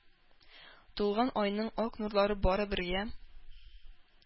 Тулган айның, ак нурлары бары бергә